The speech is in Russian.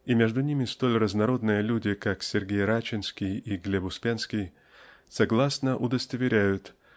-- и между ними столь разнородные люди как С. Рачинский и Глеб Успенский -- согласно удостоверяют